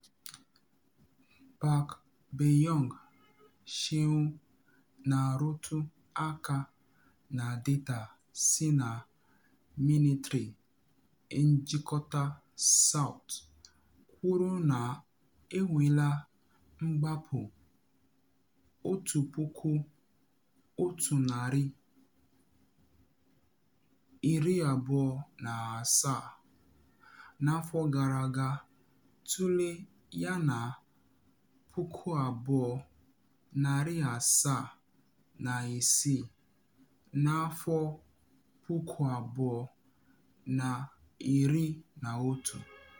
Park Byeong-seun, na arụtụ aka na data si na minitri njikọta South, kwuru na enweela mgbapụ 1,127 n’afọ gara aga - tụlee yana 2,706 na 2011.